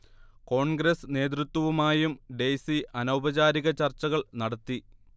കോൺഗ്രസ് നേതൃത്വവുമായും ഡെയ്സി അനൗപചാരിക ചർച്ചകൾ നടത്തി